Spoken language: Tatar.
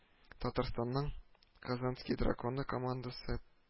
Татарстанның “Казанские драконы” командасы